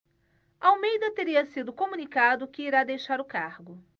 almeida teria sido comunicado que irá deixar o cargo